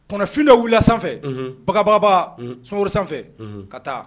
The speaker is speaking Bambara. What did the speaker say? Kɔnɔfin dɔ wili sanfɛ bagabagaba souru sanfɛ ka taa